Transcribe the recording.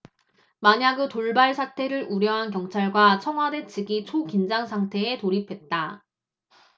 만약의 돌발 사태를 우려한 경찰과 청와대 측이 초긴장상태에 돌입했다